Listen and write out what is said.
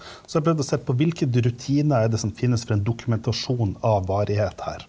så har jeg prøvd og sett på hvilke rutiner er det som finnes for en dokumentasjon av varighet her.